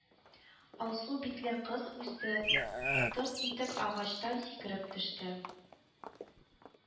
Алсу битле кыз үсте, Тып итеп агачтан сикереп төште